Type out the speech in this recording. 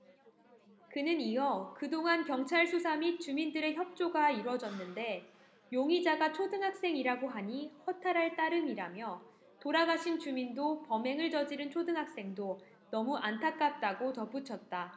그는 이어 그동안 경찰 수사 및 주민들의 협조가 이뤄졌는데 용의자가 초등학생이라고 하니 허탈할 따름이라며 돌아가신 주민도 범행을 저지른 초등학생도 너무 안타깝다고 덧붙였다